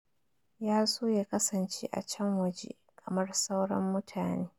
Ya so ya kasance a can waje, kamar sauran mutane. "